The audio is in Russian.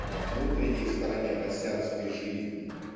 а по внутренней стороне босяцкой жизни